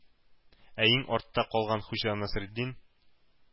Ә иң артта калган Хуҗа Насретдин,